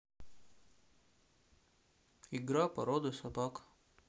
игра породы собак